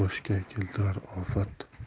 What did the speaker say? boshga keltirar ofat